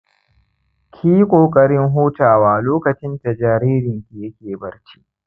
ki yi ƙoƙarin hutawa lokacin da jaririnki yake barci.